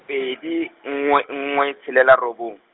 pedi nngwe nngwe tshelela robong.